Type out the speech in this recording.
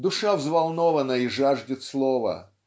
Душа взволнована и жаждет слова.